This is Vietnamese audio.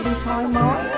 soi mói